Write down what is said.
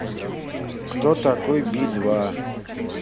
кто такой би два